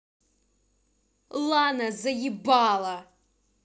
lana заебала